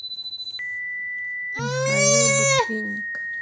михаил ботвинник